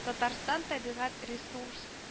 Татарстан табигать ресурс